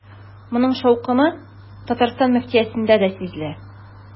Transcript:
Моның шаукымы Татарстан мөфтиятендә дә сизелә.